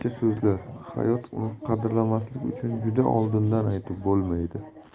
uni qadrlamaslik uchun juda oldindan aytib bo'lmaydi